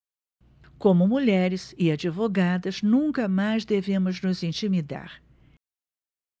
como mulheres e advogadas nunca mais devemos nos intimidar